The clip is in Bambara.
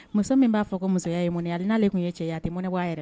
Muso min b'a fɔ ko musoya ye mɔnɛ ye, hali, n'ale tun ye cɛ ye, a tɛ mɔnɛ bɔ a yɛrɛ la